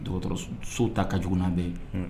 Docteur So ta ka jugu na bɛɛ ye. Unhun ..